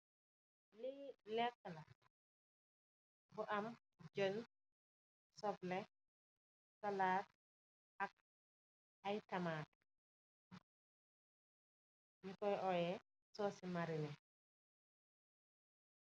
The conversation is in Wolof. Lii lekala bu am jen, suble, salaat ak ay tamate, yu koy oye soosi marine